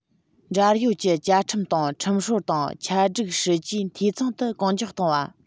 འབྲེལ ཡོད ཀྱི བཅའ ཁྲིམས དང ཁྲིམས སྲོལ དང ཆ སྒྲིག སྲིད ཇུས འཐུས ཚང དུ གང མགྱོགས གཏོང བ